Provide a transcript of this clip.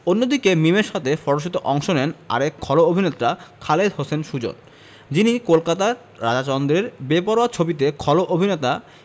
অন্যদিকে মিমের সাথে ফটশুটে অংশ নেন আরেক খল অভিনেতা খালেদ হোসেন সুজন যিনি কলকাতার রাজা চন্দের বেপরোয়া ছবিতে খল অভিননেতা